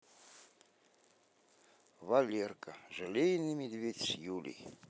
валерка желейный медведь с юлей